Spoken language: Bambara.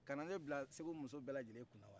ka na ne bila segu musow bɛɛ lajɛlen kunna wa